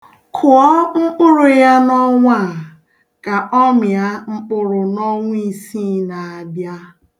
Kụọ mkpụrụ ya n'ọnwa a ka ọ mịa mkpụrụ n'ọnwa isii na-abia.